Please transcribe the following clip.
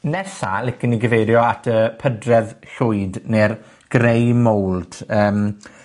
Nesa licen i gyfeirio at y pydredd llwyd ne'r grey mould, yym,